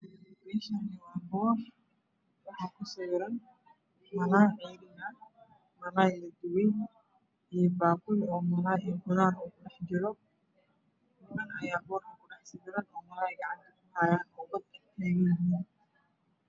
Meeshaan waa boor Waxaa kusawiran malaay ciiriin ah iyo malaay ladubay iyo baaquli malaay iyo qudaar kudhex jiro niman ayaa boorka kudhex sawiran oo malaay ga gacanta kuhaayo.